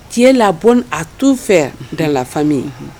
Tiɲɛ la bonne à tout faire dans la famille